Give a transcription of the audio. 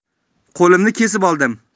qo'limni kesib oldim